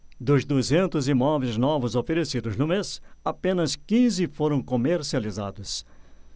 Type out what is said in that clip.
dos duzentos imóveis novos oferecidos no mês apenas quinze foram comercializados